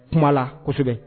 Kuma la kosɛbɛ